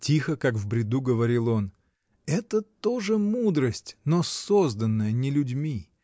— тихо, как в бреду, говорил он, — это тоже мудрость, но созданная не людьми.